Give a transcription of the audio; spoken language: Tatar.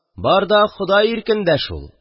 Бар да Ходай иркендә шул...